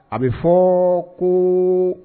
A bɛ fɔ ko